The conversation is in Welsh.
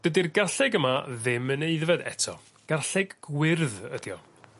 Dydi'r garlleg yma ddim yn aeddfed eto, garlleg gwyrdd ydi o.